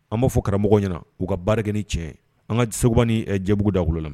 An b'a fɔ karamɔgɔ ɲɛna k'u ka baarakɛ ni cɛ an ka seban jɛbugu daolo na